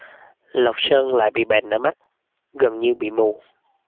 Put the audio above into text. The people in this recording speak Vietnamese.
lộc sơn lại bị bệnh ở mắt gần như bị mù